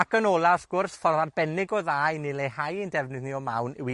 Ac yn ola wrth sgwrs, ffordd arbennig o dda i ni leihau ein defnydd ni o mawn yw i